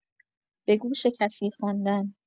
به گوش کسی خواندن